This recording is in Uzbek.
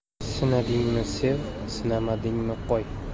sinadingmi sev sinamadingmi qo'y